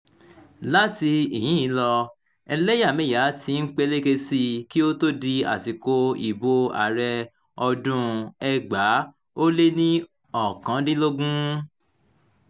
Láti ìhín lọ, ẹlẹ́yàmẹyà ti ń peléke sí i kí ó tó di àsìkò ìbò ààrẹ ọdún-un 2019.